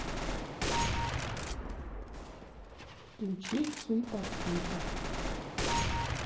включи цыпа цыпа